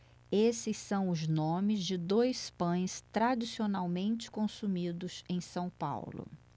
esses são os nomes de dois pães tradicionalmente consumidos em são paulo